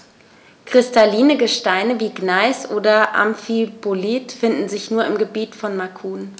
Kristalline Gesteine wie Gneis oder Amphibolit finden sich nur im Gebiet von Macun.